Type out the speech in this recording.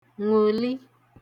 ṅụ̀li